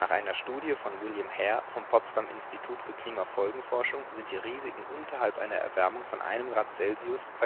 einer Studie von William Hare vom Potsdam-Institut für Klimafolgenforschung sind die Risiken unterhalb einer Erwärmung von 1 °C